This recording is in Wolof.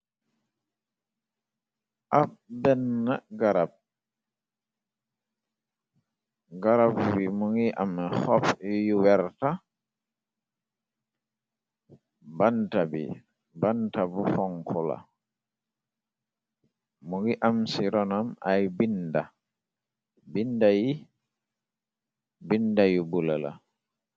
Ab benn garab, garab bi mu ngi am xob yu werta, banta bi banta bu fonkula, mu ngi am ci ronam ay binda, bnd yi binda yu bulala.